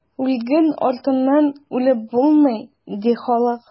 Үлгән артыннан үлеп булмый, ди халык.